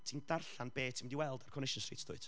ti'n darllan be ti'n mynd i weld ar Corination Street dwyt